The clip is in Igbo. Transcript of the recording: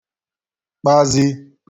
kpazi